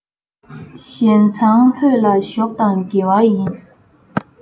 གཞན མཚང ལྷོད ལ ཞོག དང དགེ བ ཡིན